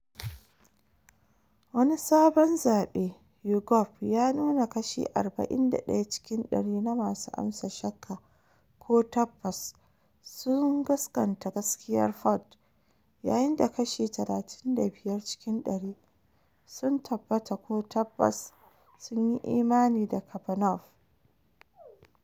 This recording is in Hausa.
Wani sabon zabe YouGov ya nuna kashi 41 cikin dari na masu amsa shakka ko tabbas sun gaskanta gaskiyar Ford, yayin da kashi 35 cikin dari sun tabbata ko tabbas sunyi imani da Kavanaugh.